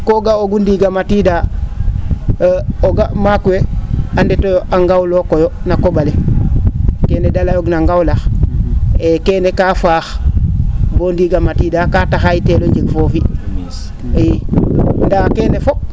koo ga'oogu ndiig a matiida o ga' maak we a ndetooyo a ngawlookooyo na ko? ale keene de layoogina ngawlax e keene kaa faax boo ndiig a matiida kaa taxa i teel o njeg foofi i ndaa keene fop